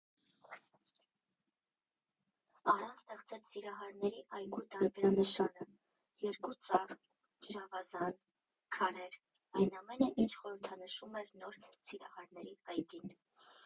Արան ստեղծեց Սիրահարների այգու տարբերանշանը՝ երկու ծառ, ջրավազան, քարեր՝ այն ամենը, ինչ խորհրդանշում էր նոր Սիրահարների այգին։